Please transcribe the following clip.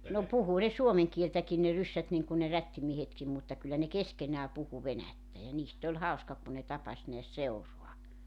no puhui ne suomen kieltäkin ne ryssät niin kuin ne rättimiehetkin mutta kyllä ne keskenään puhui venäjää ja niistä oli hauska kun ne tapasi näet seuraa